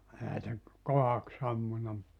eihän se kohdaksi ampunut mutta